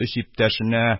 Өч иптәшенә